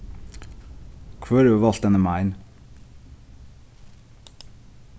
hvør hevur volt henni mein